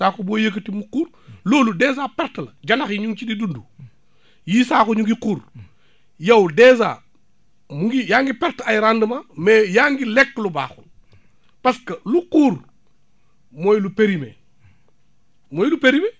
saako boo yëkkati mu xuur loolu dèjà perte la janax yi ñu ngi ci di dundyii saako ñu ngi xuur yow dèjà mu ngi yaa ngi perte ay rendement mais yaa ngi lekk lu baaxut parce que lu xuur mooy lu périmer :gfra mooy lu périmer